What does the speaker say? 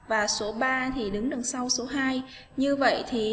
và số thì đứng đằng sau số như vậy thì